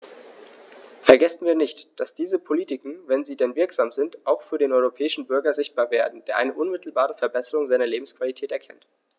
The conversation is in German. Vergessen wir nicht, dass diese Politiken, wenn sie denn wirksam sind, auch für den europäischen Bürger sichtbar werden, der eine unmittelbare Verbesserung seiner Lebensqualität erkennt!